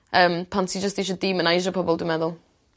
yym pan ti jyst isio demoneisio pobol dwi meddwl.